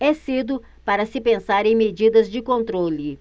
é cedo para se pensar em medidas de controle